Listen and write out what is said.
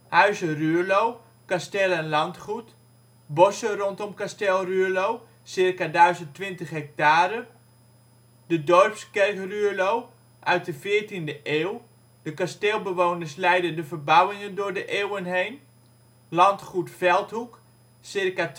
Huize Ruurlo, kasteel en landgoed Bossen rondom kasteel Ruurlo (ca 1020 ha) Dorpskerk Ruurlo (PKN) uit de 14e eeuw. De kasteelbewoners leidden de verbouwingen door de eeuwen heen. Landgoed Veldhoek (ca 200